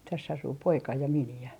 tässä asuu poika ja miniä